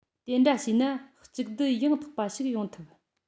དེ འདྲ བྱས ན གཅིག སྡུད ཡང དག པ ཞིག ཡོང ཐུབ